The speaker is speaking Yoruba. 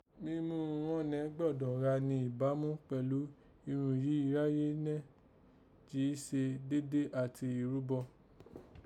Mímú irun ghúnnẹ́ gbọ́dọ̀ gha ni ìbámu kpẹ̀lú irun yìí iráyé nẹ́, jí í ṣe déédé àti ìrúbọ